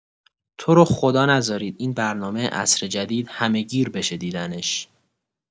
تو رو خدا نذارید این برنامه عصر جدید همه‌گیر بشه دیدنش.